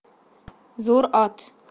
zo'r ot